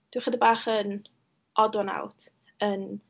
Dwi chydig bach yn odd one out yn...